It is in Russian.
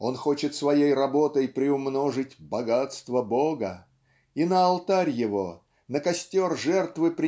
Он хочет своей работой приумножить "богатства Бога" и на алтарь Его на костер жертвы